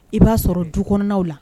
I b'a sɔrɔ du kɔnɔnaw la